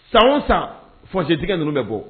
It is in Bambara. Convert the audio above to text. San o san fɔjtigɛ ninnu bɛ bɔ